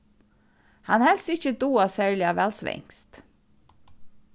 hann helt seg ikki duga serliga væl svenskt